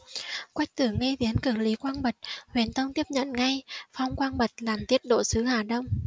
quách tử nghi tiến cử lý quang bật huyền tông tiếp nhận ngay phong quang bật làm tiết độ sứ hà đông